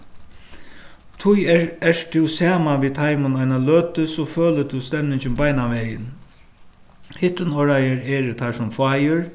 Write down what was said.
tí er ert tú saman við teimum eina løtu so følir tú stemningin beinanvegin hittinorðaðir eru teir sum fáir